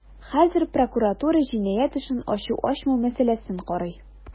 Хәзер прокуратура җинаять эшен ачу-ачмау мәсьәләсен карый.